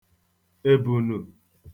èbùnù